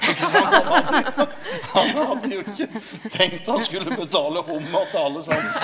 ikkje sant han hadde han hadde jo ikkje tenkt han skulle betale hummar til alle samen.